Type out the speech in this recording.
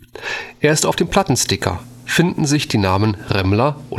Erst auf dem Plattensticker finden sich die Namen „ Remmler